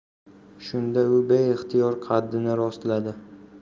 shunda u beixtiyor qaddini rostladi